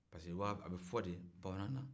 pariseke a bɛ fɔ de bamananna